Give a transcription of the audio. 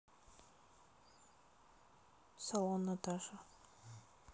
салон наташа